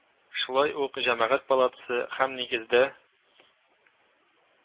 Шулай ук җәмәгать палатасы һәм, нигездә